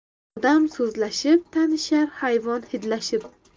odam so'zlashib tanishar hayvon hidlashib